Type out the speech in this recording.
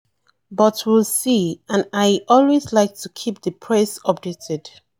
Some reporters would contest that assertion: Sanders has not held a White House press briefing since 10 September.